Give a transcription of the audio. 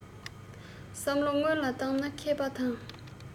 བསམ བློ སྔོན ལ ཐོངས ན མཁས པ དང